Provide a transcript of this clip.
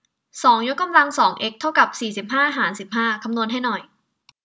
สองยกกำลังสองเอ็กซ์เท่ากับสี่สิบห้าหารสิบห้าคำนวณให้หน่อย